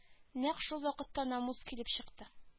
Нәкъ шулвакытта намус килеп чыкты